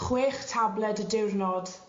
chwech tabled y diwrnod